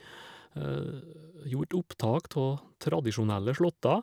Gjort opptak tå tradisjonelle slåtter.